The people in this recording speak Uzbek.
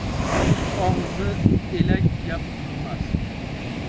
el og'zi elak gap turmas